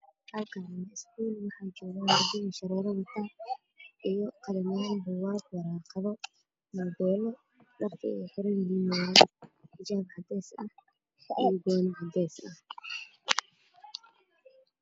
Halkaan waa iskuul waxaa joogo gabdho indho shareero wato iyo qalimaan , buugaag iyo waraaqado, muubeelo dharka ay xiran yihiin waa xijaab cadeys ah iyo goono cadeys ah.